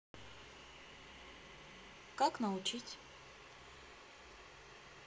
как научить